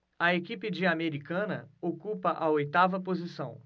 a equipe de americana ocupa a oitava posição